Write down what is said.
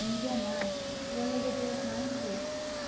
mengamas bolaga deyapmanku